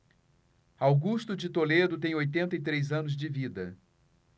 augusto de toledo tem oitenta e três anos de vida